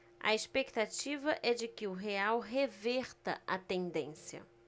a expectativa é de que o real reverta a tendência